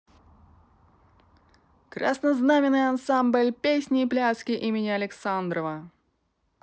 краснознаменный ансамбль песни и пляски имени александрова